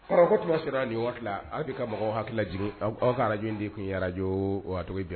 Kɔrɔ tun sera nin waati haliki ka mɔgɔw hakililaj aw ka araj de tun araj cogo dɛmɛ